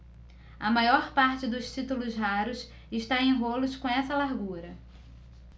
a maior parte dos títulos raros está em rolos com essa largura